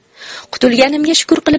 qutulganimga shukur qilib